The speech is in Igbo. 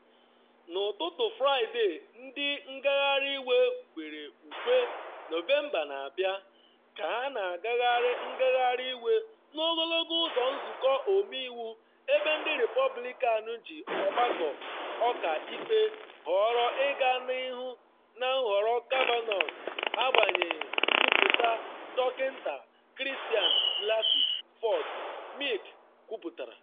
N’ụtụtụ Fraịde, ndị ngagharị iwe kwere ukwe “Nọvemba na-abịa!” ka ha na-agagharị ngagharị iwe n’ogologo ụzọ Nzụkọ Ọmeiwu ebe ndị Repọblikan ji Ọgbakọ Ọka Ikpe họrọ ịga n’ihu na nhọrọ Kavanaugh agbanyeghị nkwuputa Dr. Christine Blasey Ford, Mic kwuputara.